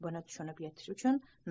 buni tushunib yetish uchun